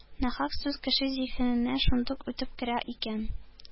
Нахак сүз кеше зиһененә шундук үтеп керә икән,